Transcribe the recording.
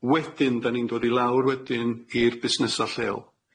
Wedyn, dan ni'n dod i lawr wedyn i'r busnesa lleol.